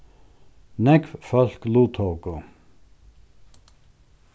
nógv fólk luttóku